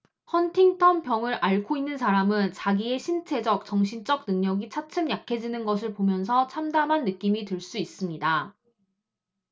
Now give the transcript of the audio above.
헌팅턴병을 앓고 있는 사람은 자기의 신체적 정신적 능력이 차츰 약해지는 것을 보면서 참담한 느낌이 들 수 있습니다